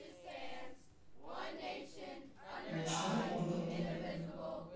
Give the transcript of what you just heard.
ночной ургант